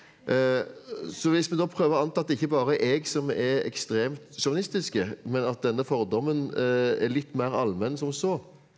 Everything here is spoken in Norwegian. så hvis vi da prøver å anta at det ikke bare er jeg som er ekstremt sjåvinistisk men at denne fordommen er litt mer allmenn som så.